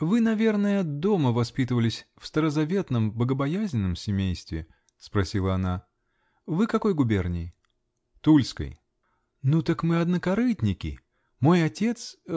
-- Вы, наверное, дома воспитывались, в старозаветном, богобоязненном семействе? -- спросила она. -- Вы какой губернии? -- Тульской. -- Ну, так мы однокорытники. Мой отец.